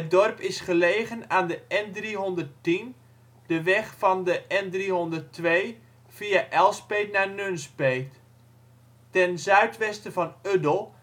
dorp is gelegen aan de N310, de weg van de N302, via Elspeet naar Nunspeet. Ten zuidwesten van Uddel